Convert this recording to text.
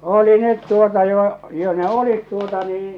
oli ne tuota jo jo ne oli tuota niin